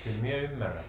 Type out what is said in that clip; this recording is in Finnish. kyllä minä ymmärrän